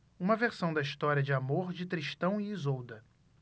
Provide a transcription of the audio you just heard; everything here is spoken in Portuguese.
uma versão da história de amor de tristão e isolda